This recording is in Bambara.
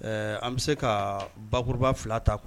An bɛ se ka bauruba fila ta kuwa